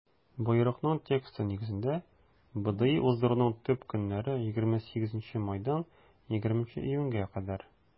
Боерыкның тексты нигезендә, БДИ уздыруның төп көннәре - 28 майдан 20 июньгә кадәр.